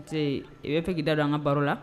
I bɛ fɛ da dɔn an ka baro la